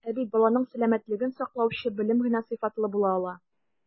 Ә бит баланың сәламәтлеген саклаучы белем генә сыйфатлы була ала.